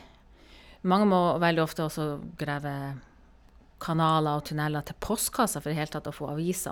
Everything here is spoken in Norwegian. Mange må veldig ofte også grave kanaler og tunneler til postkassa for i hele tatt å få avisa.